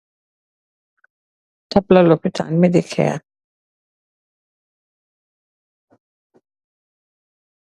Tamblah lopitan medicare.